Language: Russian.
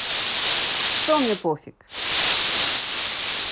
что мне пофиг